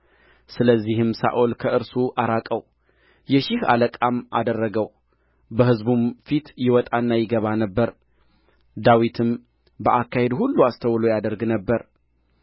ስለዚህም ሳኦል ከእርሱ አራቀው የሺህ አለቃም አደረገው በሕዝቡም ፊት ይወጣና ይገባ ነበር ዳዊትም በአካሄዱ ሁሉ አስተውሎ ያደርግ ነበር